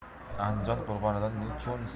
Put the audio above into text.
andijon qo'rg'onidan nechun